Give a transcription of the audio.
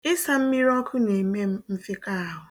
Ịsa mmiri ọkụ na-eme m mfịkọahụ